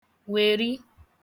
wèri